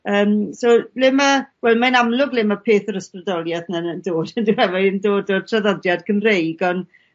yym so ble ma' wel mae'n amlwg le ma' peth yr ysbrydolieth na'n yn dod. On'd yfe mae e'n dod o'r traddodiad Cymreig on'...